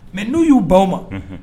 Mɛ n'u y'u baw' ma